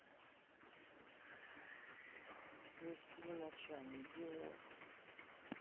не сплю ночами диор